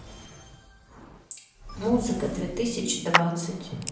музыка две тысячи двадцать